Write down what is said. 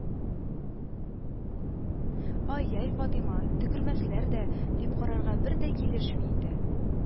Ай-яй, Фатыйма, «төкермәсләр дә» дип карарга бер дә килешми инде